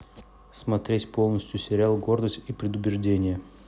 смотреть полностью сериал гордость и предубеждение